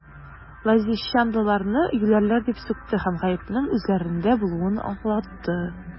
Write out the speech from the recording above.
Лозищанлыларны юләрләр дип сүкте һәм гаепнең үзләрендә булуын аңлатты.